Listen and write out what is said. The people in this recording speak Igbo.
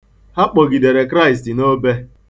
Ha kpọgidere Kraịst n'obe.